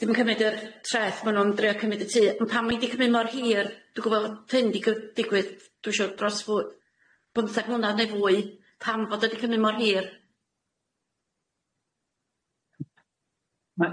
Dim yn cymyd yr treth ma' nw'n trio cymyd y tŷ ond pan ma'i di cymyd mor hir dwi'n gwbo bod hyn di cyf- digwydd dwi'n siŵr dros flw- pymtheg mlynadd neu fwy pan fod o 'di cymyd mor hir?